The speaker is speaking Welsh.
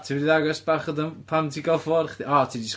Ti'n mynd i ddangos bach o dy y- pan ti'n cael ffon chdi? O ti 'di sg-